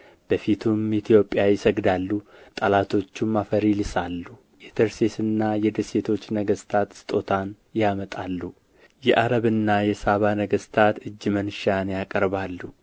በፊቱም ኢትዮጵያ ይሰግዳሉ ጠላቶቹም አፈር ይልሳሉ የተርሴስና የደሴቶች ነገሥታት ስጦታን ያመጣሉ የዓረብና የሳባ ነገሥታት እጅ መንሻን ያቀርባሉ